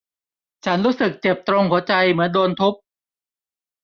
ฉันรู้สึกเจ็บตรงหัวใจเหมือนโดนทุบ